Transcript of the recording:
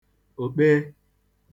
òkpee